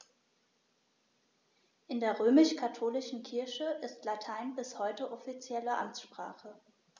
In der römisch-katholischen Kirche ist Latein bis heute offizielle Amtssprache.